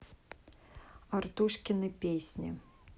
артушкины песни